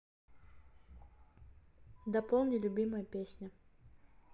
дополни любимая песня